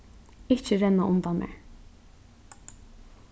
ikki renna undan mær